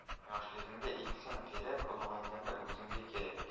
yoshligingda eksang terak ulg'ayganda o'zingga kerak